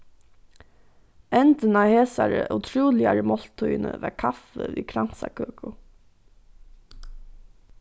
endin á hesari ótrúligari máltíðini var kaffi við kransakøku